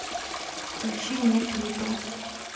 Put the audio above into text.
включи мне клипы